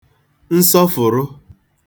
nsọfụ̀rụ